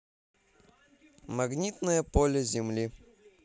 магнитное поле земли